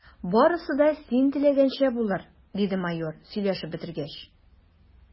Барысы да син теләгәнчә булыр, – диде майор, сөйләшеп бетергәч.